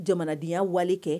Jamanadenyaya wali kɛ